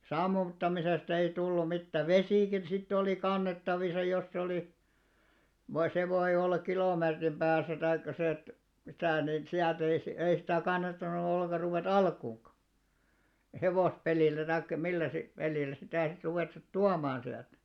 sammuttamisesta ei tullut mitään vesikin sitten oli kannettavissa jos se oli no se voi olla kilometrin päässä tai se että mitä niin sieltä ei ei sitä kannattanut ollenkaan ruveta alkuunkaan hevospelillä tai millä sitten pelillä sitä sitten ruveta tuomaan sieltä